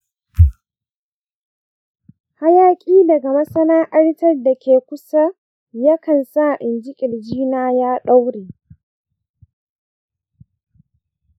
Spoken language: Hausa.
hayaƙi daga masana’antar da ke kusa yakan sa in ji ƙirjina ya ɗaure.